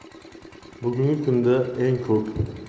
bugungi kunda eng ko'p